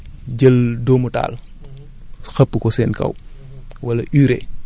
ci kaw ñax mi waaw ba pare bu ma paree jël dóomu taal